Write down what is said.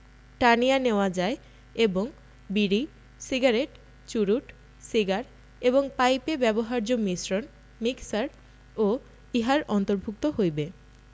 টানিয়া নেওয়া যায় এবং বিড়ি সিগারেট চুরুট সিগার এবং পাইপে ব্যবহার্য মিশ্রণ মিক্সার ও ইহার অন্তর্ভুক্ত হইবে